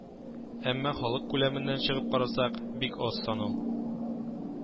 Әмма халык күләменнән чыгып карасак, бик аз сан ул